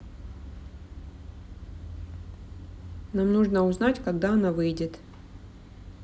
нам нужно узнать когда она выйдет